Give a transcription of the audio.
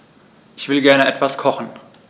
Ich will gerne etwas kochen.